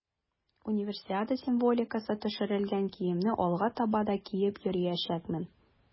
Универсиада символикасы төшерелгән киемне алга таба да киеп йөриячәкмен.